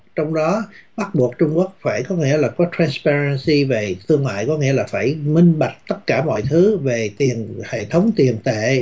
trong đó bắt buộc trung quốc phải có nghĩa là tren pe rơ ti về thương mại có nghĩa là phải minh bạch tất cả mọi thứ về tiền hệ thống tiền tệ